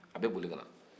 a bɛ boli ka na